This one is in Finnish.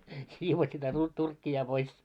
siivosi sitä - turkkia pois